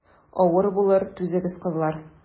Авыр булыр, түзегез, кызлар.